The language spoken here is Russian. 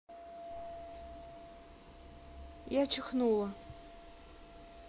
я чихнула